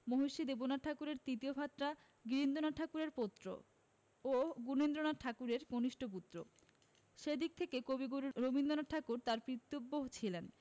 মহর্ষি দেবেন্দ্রনাথ ঠাকুরের তৃতীয় ভ্রাতা গিরীন্দ্রনাথ ঠাকুরের পৌত্র ও গুণেন্দ্রনাথ ঠাকুরের কনিষ্ঠ পুত্র সে দিক থেকে কবিগুরু রবীন্দ্রনাথ ঠাকুর তার পিতৃব্য ছিলেন